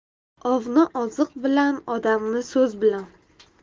ovni oziq bilan odamni so'z bilan